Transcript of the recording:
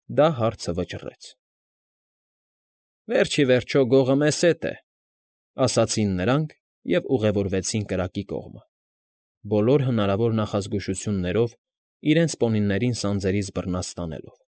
Դա հարցը վճռեց։ ֊ Վերջ ի վերջո Գողը մեզ հետ է, ֊ ասացին նրանք ու ուղևորվեցին կրակի կողմը, բոլոր հնարավոր նախազգուշություններով, իրենց պոնիներին սանձերից բռնած տանելով։